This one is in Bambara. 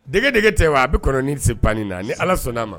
Dege dege tɛ wa a bɛ kɔnɔn se banni na ni ala sɔnna'a ma